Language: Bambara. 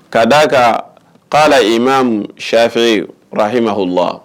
K ka d' a kan k'a la i ma shɛfe arahima h la